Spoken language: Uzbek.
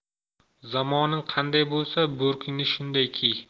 zamoning qanday bo'lsa bo'rkingni shunday kiy